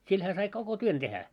sillä hän sai koko tuon tehdä